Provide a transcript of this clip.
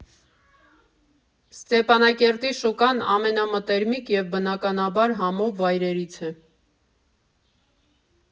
Ստեփանակերտի շուկան ամենամտերմիկ և, բնականաբար, համով վայրերից է։